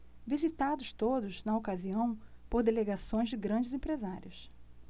visitados todos na ocasião por delegações de grandes empresários